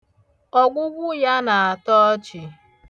Ọgwụgwụ ya na-atọ ọchị.